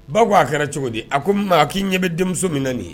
Baw ko a kɛra cogo di a ko ma a k'i ɲɛ bɛ denmuso min na nin ye